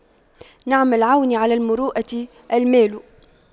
نعم العون على المروءة المال